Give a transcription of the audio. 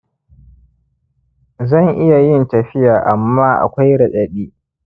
zan iya yin tafiya amma akwai raɗaɗi